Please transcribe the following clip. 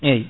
eyyi